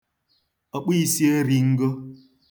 ọ̀kpụīsīerīn̄gō